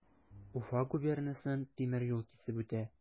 Уфа губернасын тимер юл кисеп үтә.